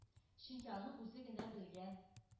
Чөнки аның үзе генә белгән